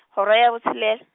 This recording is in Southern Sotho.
hora ya botshelela.